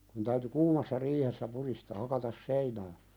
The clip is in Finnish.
kun täytyy kuumassa riihessä pudistaa hakata seinää